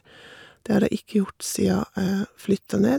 Det har jeg ikke gjort sia jeg flytta ned.